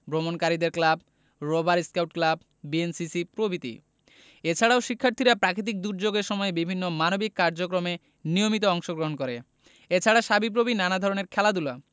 ভ্রমণকারীদের club rover scout club BNCC প্রভৃতি এছাড়া শিক্ষার্থীরা প্রাকৃতিক দূর্যোগের সময় বিভিন্ন মানবিক কার্যক্রমে নিয়মিত অংশগ্রহণ করে এছাড়া সাবিপ্রবি নানা ধরনের খেলাধুলা